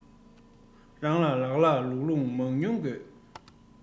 གཞན ནས ལགས ལགས ལུགས ལུགས དགོས ཟེར ན